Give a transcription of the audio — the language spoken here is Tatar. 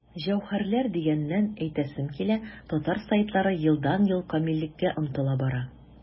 Җәүһәрләр дигәннән, әйтәсем килә, татар сайтлары елдан-ел камиллеккә омтыла бара.